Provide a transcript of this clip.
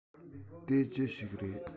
དེ ཅི ཞིག རེད